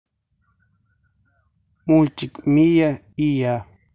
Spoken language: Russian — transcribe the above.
мультик мия и я